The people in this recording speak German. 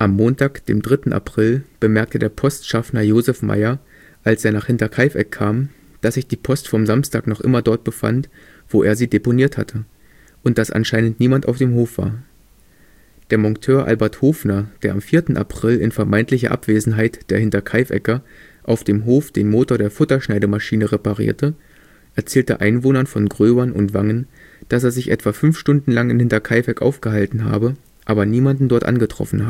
Montag, dem 3. April bemerkte der Postschaffner Josef Mayer, als er nach Hinterkaifeck kam, dass sich die Post vom Samstag noch immer dort befand, wo er sie deponiert hatte, und dass anscheinend niemand auf dem Hof war. Der Monteur Albert Hofner, der am 4. April in vermeintlicher Abwesenheit der Hinterkaifecker auf dem Hof den Motor der Futterschneidemaschine reparierte, erzählte Einwohnern von Gröbern und Wangen, dass er sich etwa fünf Stunden lang in Hinterkaifeck aufgehalten habe, aber niemanden dort angetroffen